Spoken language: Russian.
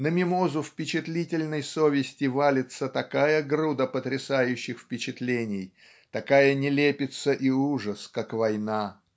На мимозу впечатлительной совести валится такая груда потрясающих впечатлений такая нелепица и ужас как война.